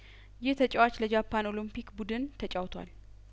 ይህ ተጫዋች ለጃፓን ኦሎምፒክ ቡድን ተጫውቶአል